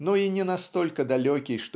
но и не настолько далекий